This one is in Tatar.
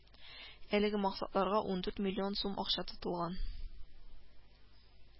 Әлеге максатларга ундүрт миллион сум акча тотылган